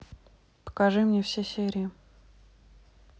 покажи мне все серии